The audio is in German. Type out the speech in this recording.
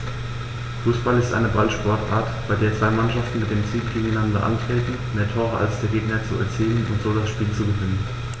Fußball ist eine Ballsportart, bei der zwei Mannschaften mit dem Ziel gegeneinander antreten, mehr Tore als der Gegner zu erzielen und so das Spiel zu gewinnen.